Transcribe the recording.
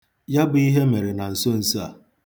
Ya bụ ihe mere na nsonso a.